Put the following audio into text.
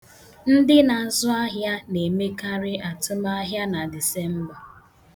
Ndị na-azụ ahịa na-emekarị atụmahịa na Disemba